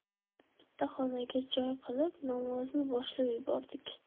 bitta xonaga joy qilib namozni boshlab yubordik